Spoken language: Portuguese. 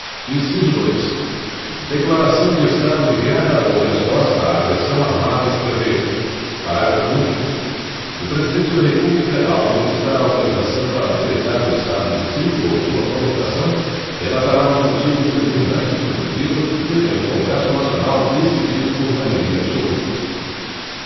inciso dois declaração de estado de guerra ou resposta a agressão armada estrangeira parágrafo único o presidente da república ao solicitar autorização para decretar o estado de sítio ou sua prorrogação relatará os motivos determinantes do pedido devendo o congresso nacional decidir por maioria absoluta